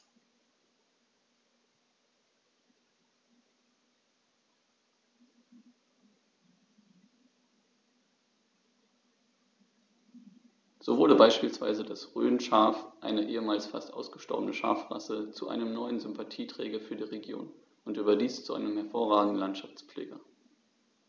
So wurde beispielsweise das Rhönschaf, eine ehemals fast ausgestorbene Schafrasse, zu einem neuen Sympathieträger für die Region – und überdies zu einem hervorragenden Landschaftspfleger.